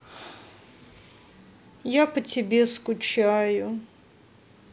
я по тебе скучаю